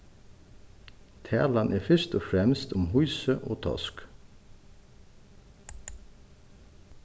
talan er fyrst og fremst um hýsu og tosk